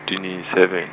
twenty seven.